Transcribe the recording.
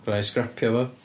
Bydd raid scrapio fo?